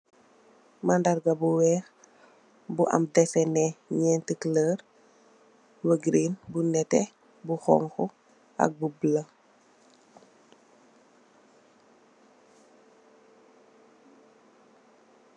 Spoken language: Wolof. Màndarga bu weex bu am desenex nyeenti colur bu green bu netex bu xonxu ak bu bulu.